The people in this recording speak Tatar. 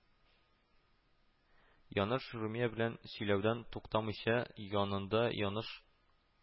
Яныш Румия белән сөйләудән туктамыйча, янында Яныш